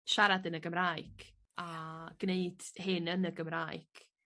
siarad yn y Gymraeg a... Ia. ...gneud hyn yn y Gymraeg